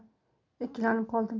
ikkilanib qoldim